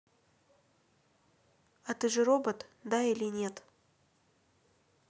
а ты же робот да или нет